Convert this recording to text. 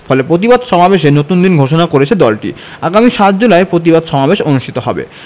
ফলে প্রতিবাদ সমাবেশের নতুন দিন ঘোষণা করেছে দলটি আগামী ৭ জুলাই প্রতিবাদ সমাবেশ অনুষ্ঠিত হবে